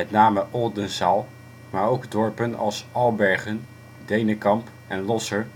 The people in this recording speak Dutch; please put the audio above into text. name Oldenzaal, maar ook dorpen als Albergen, Denekamp en Losser